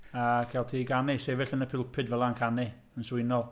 A cael ti i ganu. Sefyll yn y pulpud fel yna yn canu. Yn swynol.